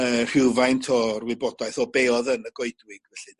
yy rhywfaint o'r wybodaeth o be o'dd yn y goedwig felly.